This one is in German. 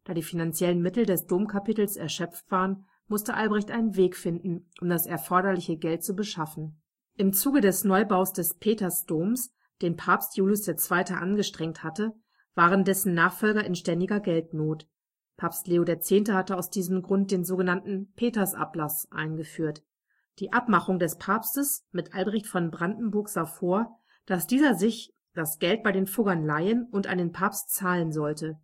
die finanziellen Mittel des Domkapitels erschöpft waren, musste Albrecht einen Weg finden, um das erforderliche Geld zu beschaffen. Im Zuge des Neubaus des Petersdoms, den Papst Julius II. angestrengt hatte, waren dessen Nachfolger in ständiger Geldnot. Papst Leo X. hatte aus diesem Grund den sogenannten Petersablass eingeführt. Die Abmachung des Papstes mit Albrecht von Brandenburg sah vor, dass dieser sich das Geld bei den Fuggern leihen und an den Papst zahlen sollte